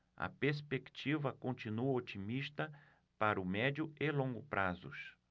a perspectiva continua otimista para o médio e longo prazos